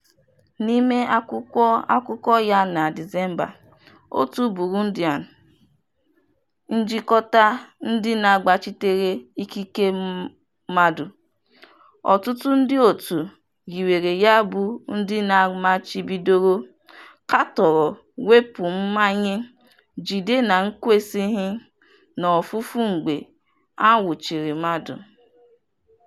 N'ime akwụkwọ akụkọ ya na Disemba, òtù Burundian Coalition of Human Rights Defenders - ọtụtụ ndịòtù yiwere ya bụ ndị a machibidoro - katọrọ mwepụ mmanye, njide n'ekwesighị, na ofufu mgbe a nwụchiri mmadụ.